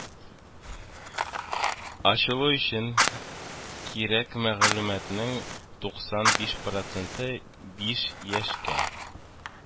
Ачылу өчен кирәк мәгълүматның туксан биш процентын биш яшькә